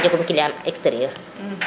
ten jegum client exterieur